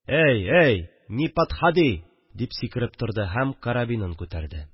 – әй, әй, ни падхади! – дип сикереп торды һәм карабинын күтәрде